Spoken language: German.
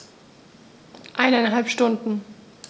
Eineinhalb Stunden